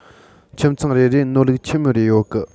ཁྱིམ ཚང རེ རེ ནོར ལུག ཆི མོ རེ ཡོད གི